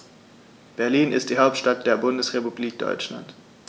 Berlin ist die Hauptstadt der Bundesrepublik Deutschland.